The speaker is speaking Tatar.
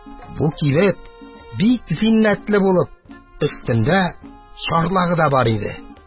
Бу кибет бик зиннәтле булып, өстендә чарлагы да бар иде.